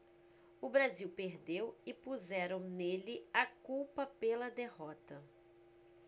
o brasil perdeu e puseram nele a culpa pela derrota